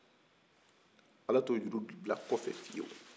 ala t'o juru bila kɔfɛ fiyewu